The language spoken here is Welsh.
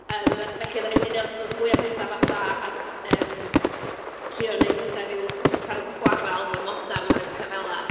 Yym felly oedden ni'n mynd i ny- ddod a mwy o betha fatha ad- yym trio wneud fatha ryw swper chwarel modern, a ryw betha fela.